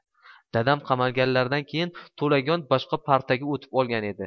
dadam qamalganlaridan keyin to'lagan boshqa partaga o'tib olgan edi